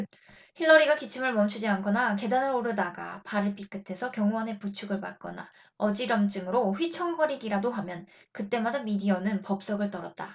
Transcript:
힐러리가 기침을 멈추지 않거나 계단을 오르다가 발을 삐끗해서 경호원의 부축을 받거나 어지럼증으로 휘청거리기라도 하면 그 때마다 미디어는 법석을 떨었다